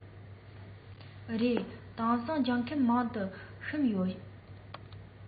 རེད དེང སང སྦྱོང མཁན མང དུ ཕྱིན ཡོད རེད